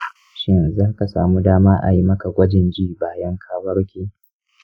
shin zaka samu dama ayi maka gwajin ji bayan ka warke?